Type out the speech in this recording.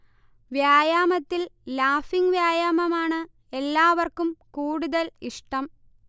വ്യായാമത്തിൽ ലാഫിങ് വ്യായാമമാണ് എല്ലാവർക്കും കൂടുതൽ ഇഷ്ടം